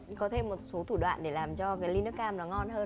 có thêm một số thủ đoạn để làm cho cái ly nước cam nó ngon hơn